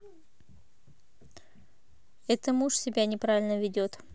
это муж себя неправильно ведет